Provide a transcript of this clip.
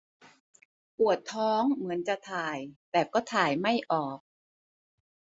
ปวดท้องเหมือนจะถ่ายแต่ก็ถ่ายไม่ออก